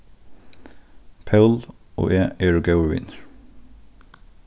pól og eg eru góðir vinir